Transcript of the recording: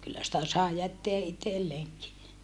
kyllä sitä sai jättää itselleenkin